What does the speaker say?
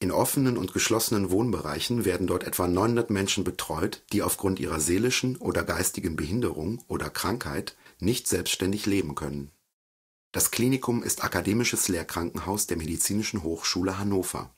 offenen und geschlossenen Wohnbereichen werden dort etwa 900 Menschen betreut, die aufgrund ihrer seelischen oder geistigen Behinderung oder Krankheit nicht selbständig leben können. Das Klinikum ist Akademisches Lehrkrankenhaus der Medizinischen Hochschule Hannover